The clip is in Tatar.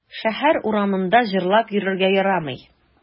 Шәһәр урамында җырлап йөрергә ярамый.